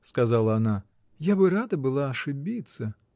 — сказала она, — я бы рада была ошибиться.